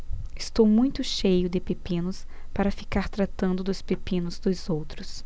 estou muito cheio de pepinos para ficar tratando dos pepinos dos outros